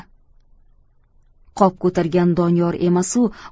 qop ko'targan doniyor emasu